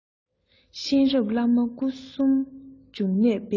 གཤེན རབ བླ མ སྐུ གསུམ འབྱུང གནས དཔལ